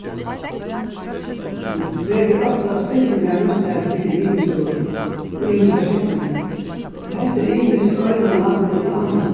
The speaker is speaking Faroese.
verður ofta styttingar nýttar fyri ymiskt orð og ymiskar setningar og hetta er ymiskt frá einum landi til annað